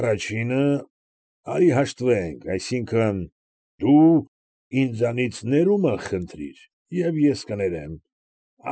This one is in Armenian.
Առաջինը՝ արի հաշտվենք, այսինքն՝ դու ինձանից ներումն խնդրիր, և ես կներեմ։